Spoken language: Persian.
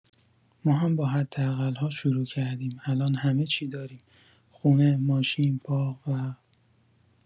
ما هم با حداقل‌ها شروع کردیم الان همه چی داریم خونه، ماشین، باغ و…